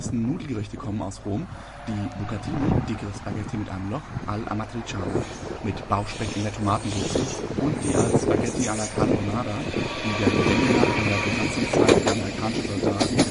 Nudelgerichte kommen aus Rom, die " bucatini (dickere Spaghetti mit einem Loch) all'amatriciana ", mit Bauchspeck in der Tomatensoße, und die " spaghetti alla carbonara ", die der Legende nach in der Besatzungszeit für amerikanische Soldaten